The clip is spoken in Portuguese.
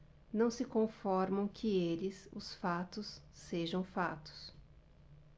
não se conformam que eles os fatos sejam fatos